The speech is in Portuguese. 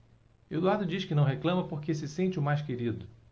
eduardo diz que não reclama porque se sente o mais querido